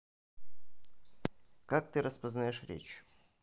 как ты распознаешь речь